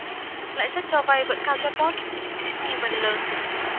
lãi suất cho vay vẫn cao chót vót nghi vấn lớn